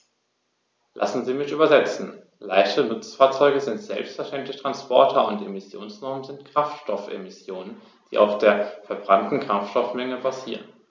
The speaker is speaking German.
Lassen Sie mich übersetzen: Leichte Nutzfahrzeuge sind selbstverständlich Transporter, und Emissionsnormen sind Kraftstoffemissionen, die auf der verbrannten Kraftstoffmenge basieren.